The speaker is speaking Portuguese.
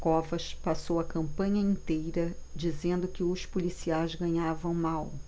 covas passou a campanha inteira dizendo que os policiais ganhavam mal